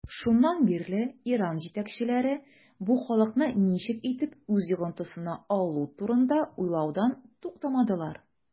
Шуннан бирле Иран җитәкчеләре бу халыкны ничек итеп үз йогынтысына алу турында уйлаудан туктамадылар.